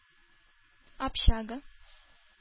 Общага